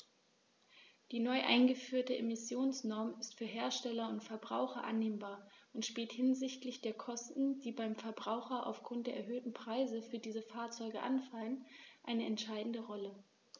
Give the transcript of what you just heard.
Die neu eingeführte Emissionsnorm ist für Hersteller und Verbraucher annehmbar und spielt hinsichtlich der Kosten, die beim Verbraucher aufgrund der erhöhten Preise für diese Fahrzeuge anfallen, eine entscheidende Rolle.